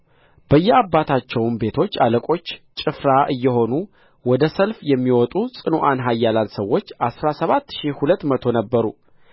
በየአባቶቻቸው ቤቶች አለቆች ጭፍራ እየሆኑ ወደ ሰልፍ የሚወጡ ጽኑዓን ኃያላን ሰዎች አሥራ ሰባት ሺህ ሁለት መቶ ነበሩ